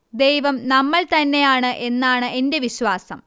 ദൈവം നമ്മൾ തന്നെയാണ് എന്നാണ് എന്റെ വിശ്വാസം